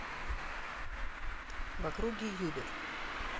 в округе uber